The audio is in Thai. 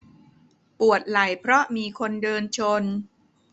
ปวดไหล่เพราะมีคนเดินชน